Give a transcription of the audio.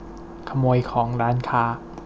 ขโมยของร้านค้า